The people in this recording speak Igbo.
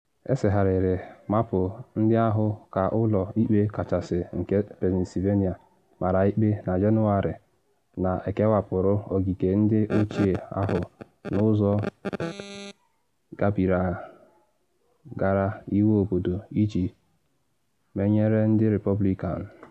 Esegharịrị maapụ ndị ahụ ka Ụlọ Ikpe Kachasị nke Pennsylvania mara ikpe na Jenụwarị na ekewapụrụ ogige ndị ochie ahụ n’ụzọ gabigara iwu obodo iji menyere ndị Repoblikan.